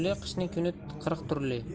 qishning kuni qirq turli